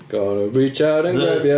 Gonna reach out and grab you